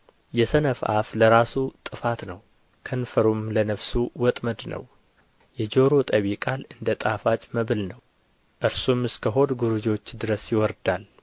የሰነፍ አፍ ለራሱ ጥፋት ነው ከንፈሩም ለነፍሱ ወጥመድ ነው የጆሮ ጠቢ ቃል እንደ ጣፋጭ መብል ነው እርሱም እስከ ሆድ ጕርጆች ድረስ ይወርዳል